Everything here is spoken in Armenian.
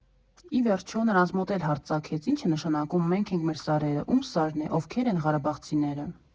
Ի վերջո, նրանց մոտ էլ հարց ծագեց՝ ի՞նչ է նշանակում «Մենք ենք, մեր սարերը», ո՞ւմ սարն է, ովքե՞ր են «ղարաբաղցիները»։